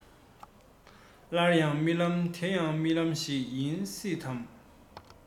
སླར ཡང རྨི ལམ དེ ཡང རྨི ལམ ཞིག ཡིན སྲིད དམ